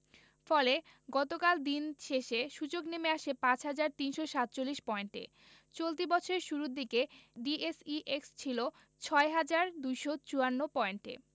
ফলে গতকাল দিন শেষে সূচক নেমে আসে ৫ হাজার ৩৪৭ পয়েন্টে চলতি বছরের শুরুর দিনে ডিএসইএক্স ছিল ৬ হাজার ২৫৪ পয়েন্টে